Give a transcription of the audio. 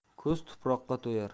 ko'z tuproqqa to'yar